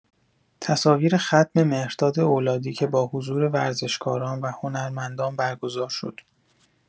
تصاویر ختم مهرداد اولادی که با حضور ورزشکاران و هنرمندان برگزار شد